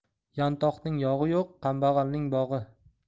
yantoqning yog'i yo'q kambag'alning bog'i